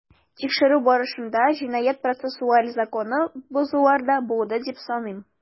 Тикшерү барышында җинаять-процессуаль законны бозулар да булды дип саныйм.